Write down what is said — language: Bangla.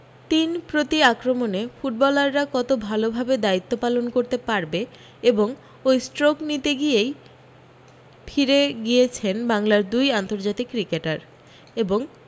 তিন প্রতি আক্রমণে ফুটবলাররা কত ভাল ভাবে দায়িত্ব পালন করতে পারবে এবং ওই স্ট্রোক নিতে গিয়েই ফিরে গিয়েছেন বাংলার দুই আন্তর্জাতিক ক্রিকেটার এবং